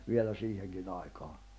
vielä siihenkin aikaan